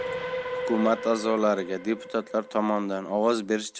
hukumat a'zolariga deputatlar tomonidan ovoz berish